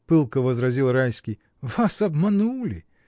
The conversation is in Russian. — пылко возразил Райский, — вас обманули.